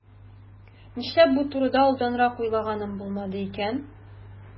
Нишләп бу турыда алданрак уйлаганым булмады икән?